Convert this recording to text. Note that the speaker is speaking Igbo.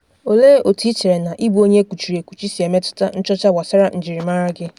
LM: Olee otú i chere na ịbụ onye e kuchiri ekuchi si emetụta nchọcha gbasara njirimara gị?